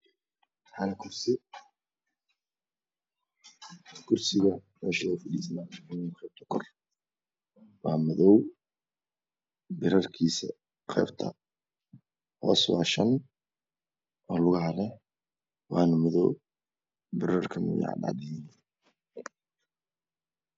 Hal kursi. Kursiga qeybta kor waa madow. Lugihiisa waa shan waana madow birarkana waa cadaan.